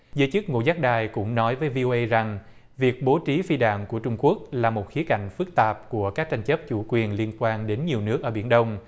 giới chức ngũ giác đài cũng nói với vi ô ây rằng việc bố trí phi đạn của trung quốc là một khía cạnh phức tạp của các tranh chấp chủ quyền liên quan đến nhiều nước ở biển đông